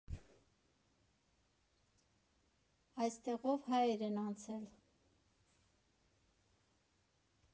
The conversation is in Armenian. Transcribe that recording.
Այստեղով հայեր են անցել։